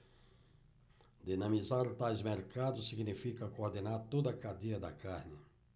dinamizar tais mercados significa coordenar toda a cadeia da carne